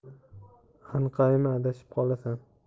anqayma adashib qolasan